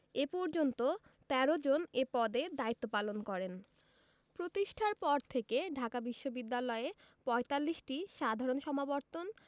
এ পর্যন্ত ১৩ জন এ পদে দায়িত্বপালন করেন প্রতিষ্ঠার পর থেকে ঢাকা বিশ্ববিদ্যালয়ে ৪৫টি সাধারণ সমাবর্তন